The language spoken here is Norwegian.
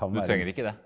du trenger ikke det.